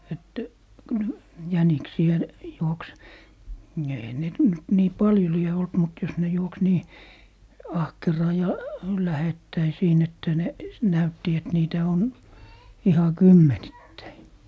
että kyllä jäniksiä juoksi eihän niitä nyt niin paljon lie ollut mutta jos ne juoksi niin ahkeraan ja lähettäin siinä että ne näytti että niitä on ihan kymmenittäin